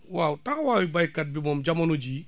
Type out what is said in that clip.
waaw taxawaayu baykat bi moom jamono jamono jii